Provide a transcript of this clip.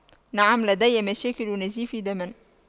نعم لدي مشاكل نزيف دم